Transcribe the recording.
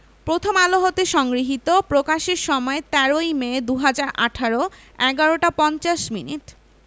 প্রথম আলো হতে সংগৃহীত প্রকাশের সময় ১৩ মে ২০১৮ ১১ টা ৫০ মিনিট